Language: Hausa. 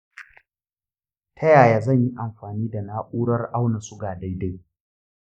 ta yaya zan yi amfani da na'urar auna-suga dai-dai?